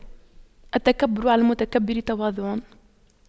التكبر على المتكبر تواضع